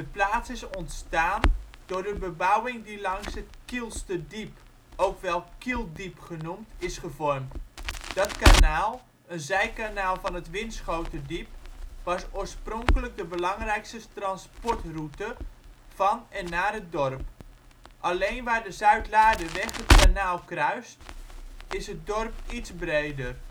plaats is ontstaan door de bebouwing die langs het Kielsterdiep (ook wel Kieldiep genoemd) is gevormd. Dat kanaal, een zijkanaal van het Winschoterdiep, was oorspronkelijk de belangrijkste transportroute van en naar het dorp. Alleen waar de Zuidlaarderweg het kanaal kruist, is het dorp iets breder